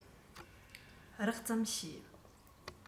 རགས ཙམ ཤེས